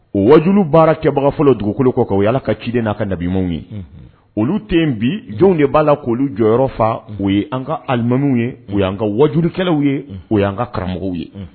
O wajulu baara kɛbaga fɔlɔ dugukolo kɔ kan, o ye Ala ka ciden n'a ka nabiɲumanw ye olu tɛ yen bi jɔn de b'a la k'olu jɔyɔrɔ fa o ye an ka alimamiw ye o ye an ka wajulikɛlaw ye o y'an ka karamɔgɔw ye, un